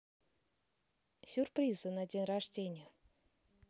сюрпризы на день рождения